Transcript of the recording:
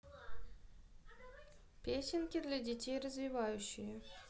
песенки для детей развивающие